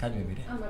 Anhan